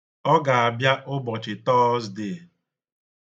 Ọ ga-abia ụbọchị Tọọzde